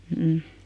mm